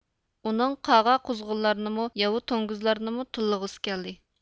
ئۇنىڭ قاغا قۇزغۇنلارنىمۇ ياۋا توڭگۇزلارنىمۇ تىللىغۇسى كەلدى